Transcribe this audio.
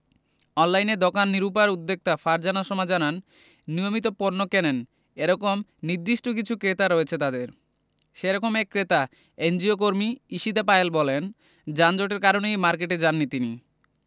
online দোকান অভিরুপার উদ্যোক্তা ফারজানা সোমা জানান নিয়মিত পণ্য কেনেন এ রকম নির্দিষ্ট কিছু ক্রেতা রয়েছে তাঁদের সে রকম এক ক্রেতা এনজিওকর্মী ঈশিতা পায়েল বলেন যানজটের কারণেই মার্কেটে যাননি তিনি